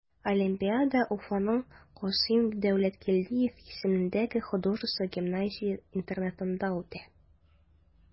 Олимпиада Уфаның Касыйм Дәүләткилдиев исемендәге художество гимназия-интернатында үтә.